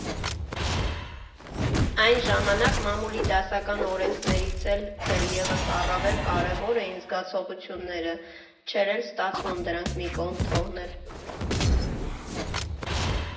Այն ժամանակ մամուլի դասական օրենքներից էլ թերևս առավել կարևոր էին զգացողությունները, չէր էլ ստացվում դրանք մի կողմ թողնել։